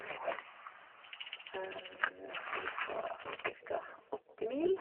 En tur på sånn cirka åtti mil.